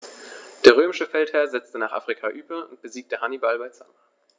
Der römische Feldherr setzte nach Afrika über und besiegte Hannibal bei Zama.